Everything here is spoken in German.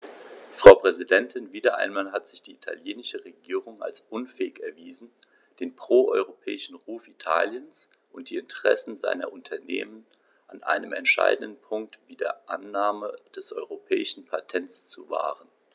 Frau Präsidentin, wieder einmal hat sich die italienische Regierung als unfähig erwiesen, den pro-europäischen Ruf Italiens und die Interessen seiner Unternehmen an einem entscheidenden Punkt wie der Annahme des europäischen Patents zu wahren.